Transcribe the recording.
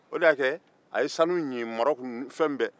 o de y'a kɛ a ye sanu ni marɔku ni fɛn bɛɛ